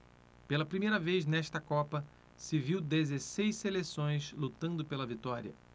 pela primeira vez nesta copa se viu dezesseis seleções lutando pela vitória